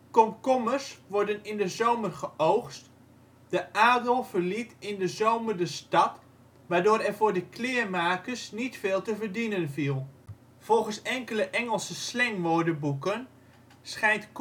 Komkommers worden in de zomer geoogst, de adel verliet in de zomer de stad, waardoor er voor de kleermakers niet veel te verdienen viel. Volgens enkele Engelse slangwoordenboeken schijnt